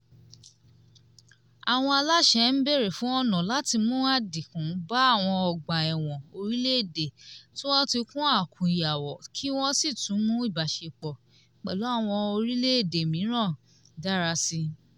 Àwọn aláṣẹ ń bèrè fún ọ̀nà láti mú àdínkù bá àwọn ọgbà ẹ̀wọ̀n orílẹ̀-èdè tí wọ́n ti kún àkúnyawọ́ kí wọ́n sì tún mú ìbáṣepọ̀ pẹ̀lú àwọn orílẹ̀-èdè mìíràn dára síi.